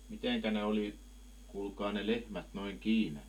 miten ne oli kuulkaa ne lehmät noin kiinni